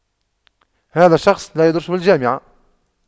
هذا الشخص لا يدرس في الجامعة